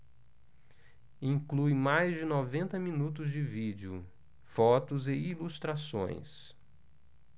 inclui mais de noventa minutos de vídeo fotos e ilustrações